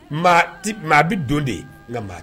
N a bɛ don de nka'